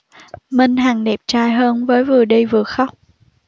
minh hằng đẹp trai hơn với vừa đi vừa khóc